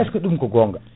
est ce que ɗum ko gonga